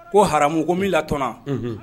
Ko ham ko min latna